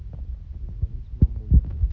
звонить мамуле